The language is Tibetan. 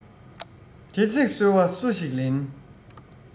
དེ བསྲེགས སོལ བ སུ ཞིག ལེན